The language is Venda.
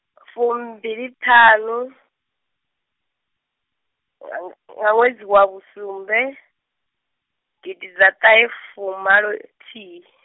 fumbiliṱhanu, nga ṅwedzi wa vhusumbe, gididatahefumalo- -thihi.